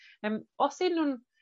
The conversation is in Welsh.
yym os 'yn nw'n